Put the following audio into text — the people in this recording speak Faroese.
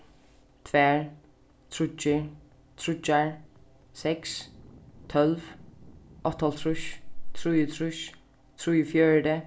tvær tríggir tríggjar seks tólv áttaoghálvtrýss trýogtrýss trýogfjøruti